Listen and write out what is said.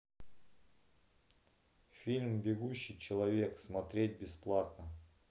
фильм бегущий человек смотреть бесплатно